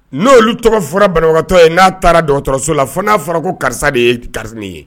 No olu tɔgɔ fɔlɔ banagantɔ ye na taara Dɔgɔtɔrɔso la , fo na fɔra ko karisa de ye ni ye .